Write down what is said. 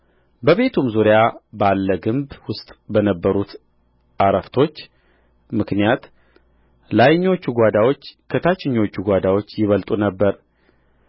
በቤቱም ዙሪያ ባለ ግንብ ውስጥ በነበሩት አረፍቶች ምክንያት ላይኞቹ ጓዳዎች ከታችኞቹ ጓዳዎች ይበልጡ ነበር